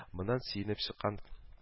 Моннан сөенеп чыккан